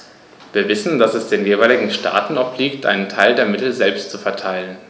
Wir wissen, dass es den jeweiligen Staaten obliegt, einen Teil der Mittel selbst zu verteilen.